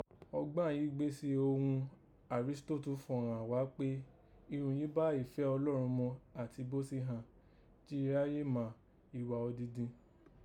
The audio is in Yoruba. Ọgbán yìí gbésẹ́ òghun Àrísítóótù fọ̀ ghàn ghá kpé irun yìí bá ìfẹ́ Ọlọ́run mu àti bó se ghan jí iráyé mà ìghà odindi